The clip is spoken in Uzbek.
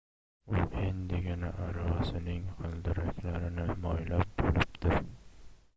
u endigina aravasining g'ildiraklarini moylab bo'libdi